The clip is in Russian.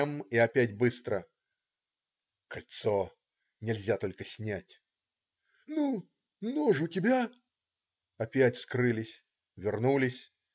М. и опять быстро: "Кольцо, нельзя только снять". - "Ну, нож у тебя?. " Опять скрылись. Вернулись.